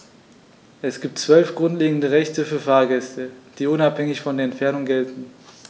Es gibt 12 grundlegende Rechte für Fahrgäste, die unabhängig von der Entfernung gelten.